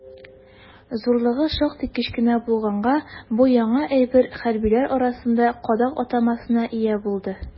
Зурлыгы шактый кечкенә булганга, бу яңа әйбер хәрбиләр арасында «кадак» атамасына ия булды.